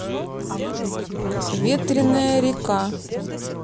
ветреная река